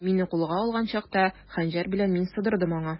Мине кулга алган чакта, хәнҗәр белән мин сыдырдым аңа.